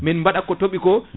min mbaɗa ko tooɓi ko